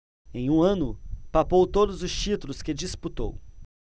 em um ano papou todos os títulos que disputou